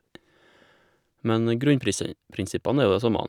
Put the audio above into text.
Men grunnpris prinsippene er jo de samme.